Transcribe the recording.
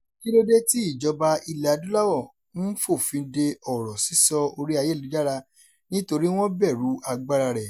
Kí ló dé tí ìjọba Ilẹ̀-Adúláwọ̀ ń f'òfin de ọ̀rọ̀ sísọ orí-ayélujára? Nítorí wọ́n bẹ̀rù agbára rẹ̀.